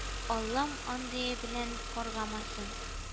— аллам андый белән каргамасын